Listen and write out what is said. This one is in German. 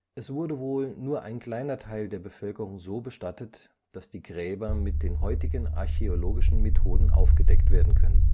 Es wurde wohl nur ein kleiner Teil der Bevölkerung so bestattet, dass die Gräber mit den heutigen archäologischen Methoden aufgedeckt werden können